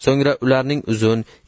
so'ngra ularning uzun